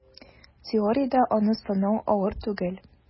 Теориядә аны санау авыр түгел: